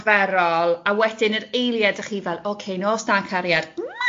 ...yr arferol, a wedyn yr eiliad o'ch chi fel, ocê, nos da cariad.